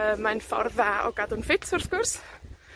Yy, mae'n ffordd dda o gadw'n ffit, wrth gwrs.